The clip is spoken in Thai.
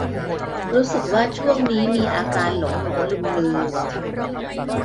รู้สึกว่าช่วงนี้มีอาการหลงหลงลืมลืม